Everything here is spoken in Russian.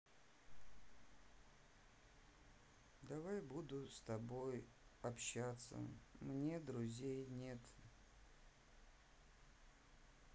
давай буду с тобой общаться мне друзей нет